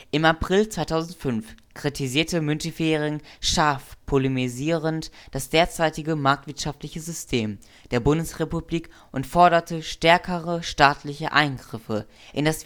Im April 2005 kritisierte Müntefering scharf polemisierend das derzeitige marktwirtschaftliche System der Bundesrepublik und forderte stärkere staatliche Eingriffe in das